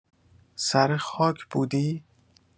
سر خاک بودی؟